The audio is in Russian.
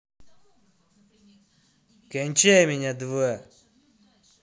кончай меня два